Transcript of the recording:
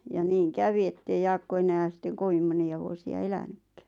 ja niin kävi että ei Jaakko enää sitten kovin monia vuosia elänytkään